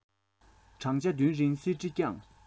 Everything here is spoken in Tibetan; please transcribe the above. བགྲང བྱ བདུན རིང གསེར ཁྲི བསྐྱངས